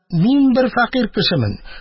Мин бер фәкыйрь кешемен.